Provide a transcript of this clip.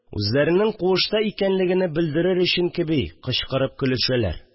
Үзләренең куышта икәнлегене белдерер өчен кеби кычкырып көлешәләр